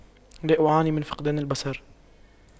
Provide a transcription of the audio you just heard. لا أعاني من فقدان البصر